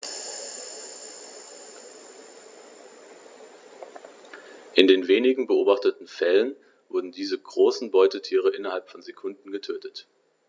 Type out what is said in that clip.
In den wenigen beobachteten Fällen wurden diese großen Beutetiere innerhalb von Sekunden getötet.